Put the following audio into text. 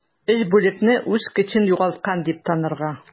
3 бүлекне үз көчен югалткан дип танырга.